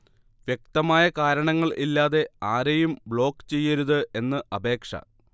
വ്യക്തമായ കാരണങ്ങൾ ഇല്ലാതെ ആരെയും ബ്ലോക്ക് ചെയ്യരുത് എന്ന് അപേക്ഷ